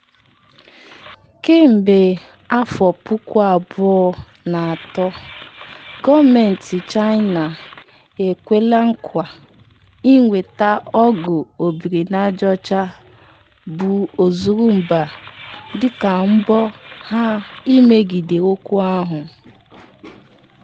Kemgbe 2003, gọọmentị China ekwela nkwa nweta ọgwụ HIV bụ ozurumba dịka mbọ ha imegide okwu ahụ.